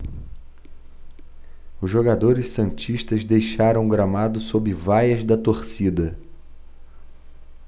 os jogadores santistas deixaram o gramado sob vaias da torcida